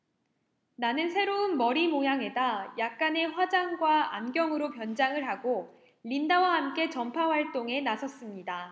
나는 새로운 머리 모양에다 약간의 화장과 안경으로 변장을 하고 린다와 함께 전파 활동에 나섰습니다